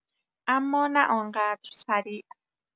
اما نه آنقدر سریع